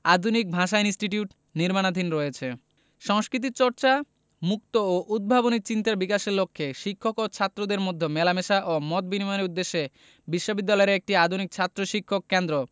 আধুনিক ভাষা ইনস্টিটিউট নির্মাণাধীন রয়েছে সংস্কৃতিচর্চা মুক্ত ও উদ্ভাবনী চিন্তার বিকাশের লক্ষ্যে শিক্ষক ও ছাত্রদের মধ্যে মেলামেশা ও মত বিনিময়ের উদ্দেশ্যে বিশ্ববিদ্যালয় একটি আধুনিক ছাত্র শিক্ষক কেন্দ্র